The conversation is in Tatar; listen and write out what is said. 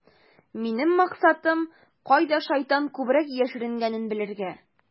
Минем максатым - кайда шайтан күбрәк яшеренгәнен белергә.